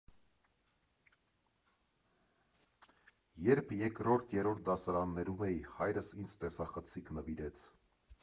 Երբ երկրորդ֊երրորդ դասարաններում էի, հայրս ինձ տեսախցիկ նվիրեց։